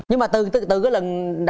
nhưng mà từ từ từ cái lần